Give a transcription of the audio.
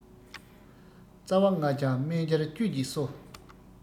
རྩ བ ལྔ སྦྱར སྨན མར བཅུད ཀྱིས གསོ